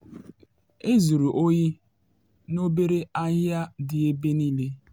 Ezuru oyi n’obere ahịa dị ebe niile.”